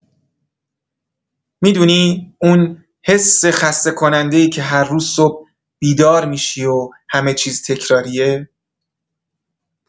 می‌دونی اون حس خسته‌کننده‌ای که هر روز صبح بیدار می‌شی و همه‌چیز تکراریه؟